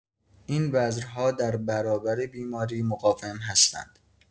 این بذرها در برابر بیماری مقاوم هستند.